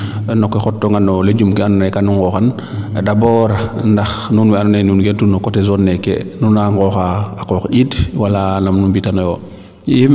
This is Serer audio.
no ke xot toona no legume ke ando naye kanu ngoxan d' abord ndax nuun we ando naye nuun ngentu no coté zone neeke nuun na ngooxa a qooq njind wala nam nu mbitano yo